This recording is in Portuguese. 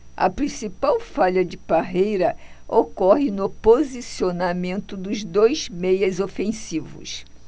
a principal falha de parreira ocorre no posicionamento dos dois meias ofensivos